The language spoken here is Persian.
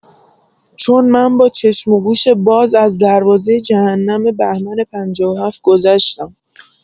چون من با چشم‌وگوش باز از دروازه جهنم بهمن ۵۷ گذشتم!